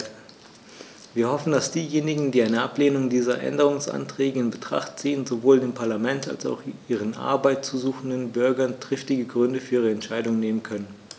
Wir hoffen, dass diejenigen, die eine Ablehnung dieser Änderungsanträge in Betracht ziehen, sowohl dem Parlament als auch ihren Arbeit suchenden Bürgern triftige Gründe für ihre Entscheidung nennen können.